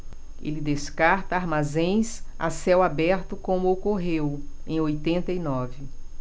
ele descarta armazéns a céu aberto como ocorreu em oitenta e nove